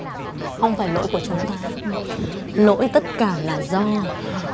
không phải lỗi của chúng ta lỗi tất cả là do